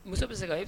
Muso bɛ se segin